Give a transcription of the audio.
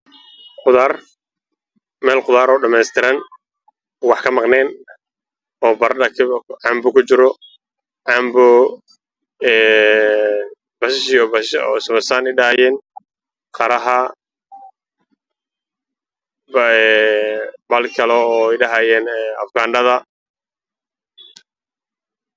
Meeshaan waa meel qudaar oo dhameystiran